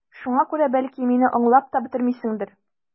Шуңа күрә, бәлки, мине аңлап та бетермисеңдер...